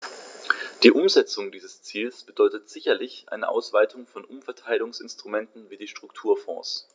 Die Umsetzung dieses Ziels bedeutet sicherlich eine Ausweitung von Umverteilungsinstrumenten wie die Strukturfonds.